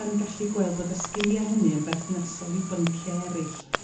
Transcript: yn gallu gweld bod y sgilie hynny yn berthnasol i byncie eryll.